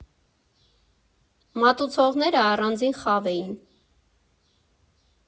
Մատուցողները առանձին խավ էին։